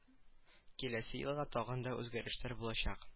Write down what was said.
Киләсе елга тагын да үзгәрешләр булачак